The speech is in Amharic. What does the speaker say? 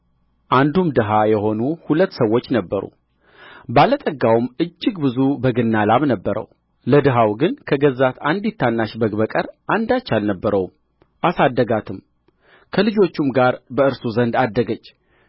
አንዱም ድሀ የሆኑ ሁለት ሰዎች ነበሩ ባለጠጋውም እጅግ ብዙ በግና ላም ነበረው ለድሀው ግን ከገዛት አንዲት ታናሽ በግ በቀር አንዳች አልነበረውም አሳደጋትም ከልጆቹም ጋር በእርሱ ዘንድ አደገች